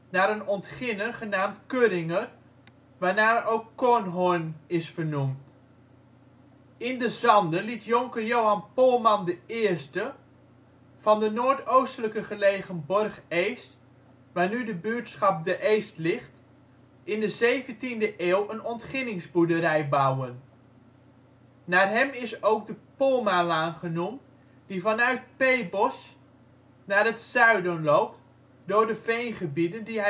naar een ontginner genaamd Curringer, waarnaar ook Kornhorn is vernoemd. In De Zanden liet jonker Johan Polman I (1579-1653) van de noordoostelijker gelegen borg Ees (t) (waar nu het buurtschap De Eest ligt) in de 17e eeuw een ontginningsboerderij bouwen. Naar hem is ook de Polmalaan genoemd die vanuit Peebos naar het zuiden loopt door de veengebieden die